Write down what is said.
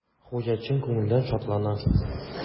Хуҗа чын күңелдән шатлана.